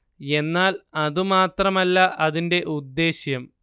എന്നാൽ അതു മാത്രമല്ല അതിന്റെ ഉദ്ദേശ്യം